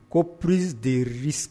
Ko prise de risque